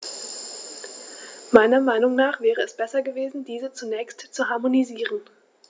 Meiner Meinung nach wäre es besser gewesen, diese zunächst zu harmonisieren.